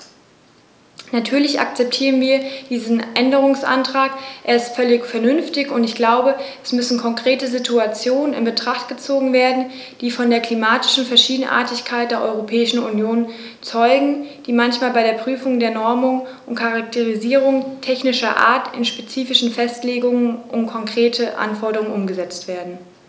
Natürlich akzeptieren wir diesen Änderungsantrag, er ist völlig vernünftig, und ich glaube, es müssen konkrete Situationen in Betracht gezogen werden, die von der klimatischen Verschiedenartigkeit der Europäischen Union zeugen, die manchmal bei der Prüfung der Normungen und Charakterisierungen technischer Art in spezifische Festlegungen und konkrete Anforderungen umgesetzt werden.